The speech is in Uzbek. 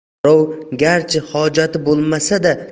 birov garchi hojati bo'lmasa